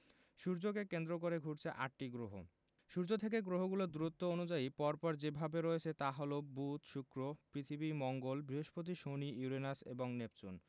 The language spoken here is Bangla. সূর্যকে কেন্দ্র করে ঘুরছে আটটি গ্রহ সূর্য থেকে গ্রহগুলো দূরত্ব অনুযায়ী পর পর যেভাবে রয়েছে তা হলো বুধ শুক্র পৃথিবী মঙ্গল বৃহস্পতি শনি ইউরেনাস এবং নেপচুন